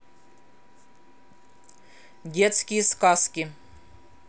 детские сказки